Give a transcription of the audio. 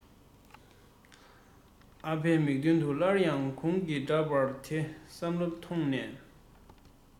ཨ ཕའི མིག མདུན དུ སླར ཡང གོང གི འདྲ པར དེ བསམ བློ ཐོངས ནས